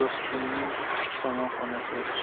do'stingning somonxonasi yaxshi